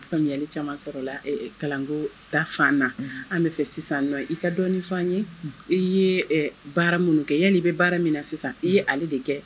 Li caman sɔrɔ kalanko da fan na an bɛ fɛ sisan i ka dɔni' an ye i ye baara minnu kɛ yanni i bɛ baara min na sisan i ye ale de kɛ